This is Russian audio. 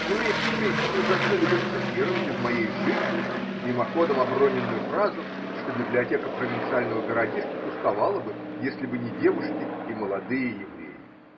Еврейские критики ужасно любят цитировать из Моей жизни мимоходом оброненную фразу, что библиотека провинциального городишки пустовала бы, если бы не девушки и молодые евреи.